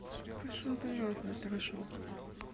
пошел ты нахуй дружок